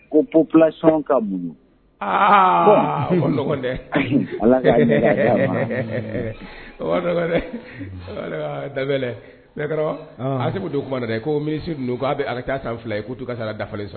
Ko population ka muŋu, aa o ma nɔgɔn dɛ, o ma nɔgɔn, Danbɛlɛ, ko minisiri ninnu ko a ka ca san fila ye k'u t'u ka sara dafalen sɔrɔ